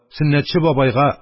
Сөннәтче бабайга,